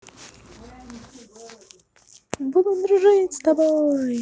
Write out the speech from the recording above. буду дружить с тобой